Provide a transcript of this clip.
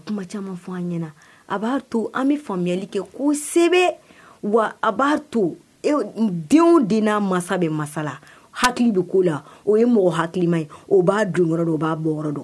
O kuma caman fɔ an ɲɛna a b'a to an bɛ faamuyayali kɛ ko sebe wa a b'a to denw de' masa bɛ masala hakili bɛ koo la o ye mɔgɔ hakili ma ye o b'a dun wɛrɛ dɔ b'a bɔ dɔn